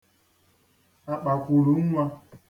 àkpàkwùlùnwa